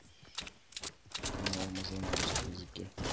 канал амазон на русском языке